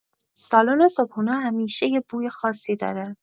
سالن صبحونه همیشه یه بوی خاصی داره.